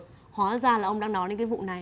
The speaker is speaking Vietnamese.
hóa ra là ông đang nói đến cái vụ này